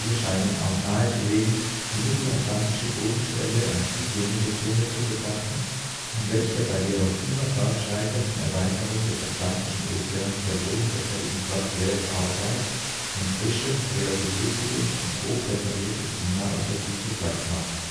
scheinen auch nahezulegen, die mittelatlantische Bodenschwelle als diejenige Zone zu betrachten, in welcher bei der noch immer fortschreitenden Erweiterung des Atlantischen Ozeans der Boden desselben fortwährend aufreißt und frischem, relativ flüssigem und hoch temperiertem Sima aus der Tiefe Platz macht